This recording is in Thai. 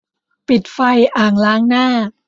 ปิดไฟอ่างล้างหน้า